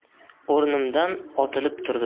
o'rnimdan otilib turdim